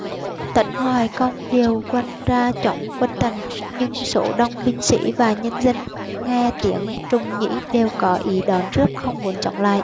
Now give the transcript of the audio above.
tấn hoài công điều quân ra chống quân tần nhưng số đông binh sĩ và nhân dân nghe tiếng trùng nhĩ đều có ý đón rước không muốn chống lại